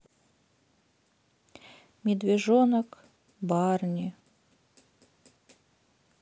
медвежонок барни